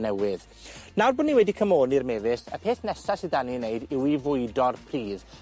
newydd. Nawr bo' ni wedi cymoni'r mefus, y peth nesa sy 'dan ni i wneud yw i fwydo'r pridd.